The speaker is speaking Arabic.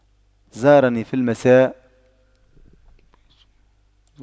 زارني في المساء